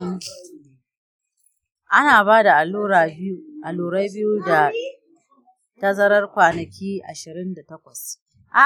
ana ba da allurai biyu da tazarar kwanaki ashirin da takwas ga yara sama da watanni biyu da ke tafiya zuwa yankunan da cutar ke yawaita.